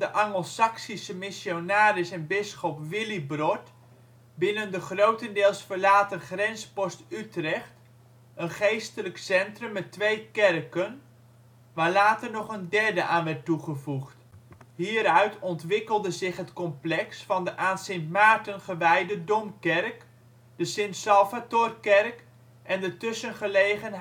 Angelsaksische missionaris en bisschop Willibrord binnen de grotendeels verlaten grenspost Utrecht een geestelijk centrum met twee kerken, waar later nog een derde aan werd toegevoegd. Hieruit ontwikkelde zich het complex van de aan Sint-Maarten gewijde Domkerk, de Sint-Salvatorkerk en de tussengelegen